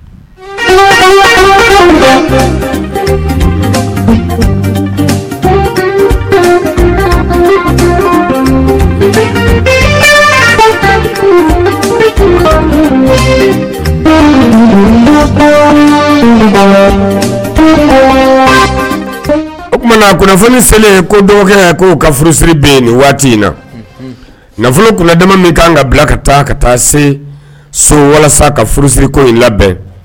O tumaumana kunnafoni selen ye ko dɔgɔ k ko ka furusiri bɛ yen nin waati in na nafolo kunnada min kan ka bila ka taa ka taa se so walasa ka furu ko in labɛn